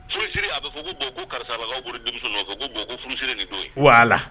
Furusiri a bɛ fɔ ko ko karisakaw bolo denmuso ko ko furuse nin to yen